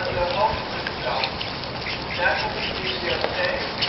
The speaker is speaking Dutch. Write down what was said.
de Honekeskamp. Daar komt de bibliotheek